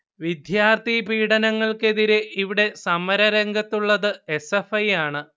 വിദ്യാർത്ഥി പീഡനങ്ങൾക്കെതിരെ ഇവിടെ സമര രംഗത്തുള്ളത് എസ്. എഫ്. ഐ യാണ്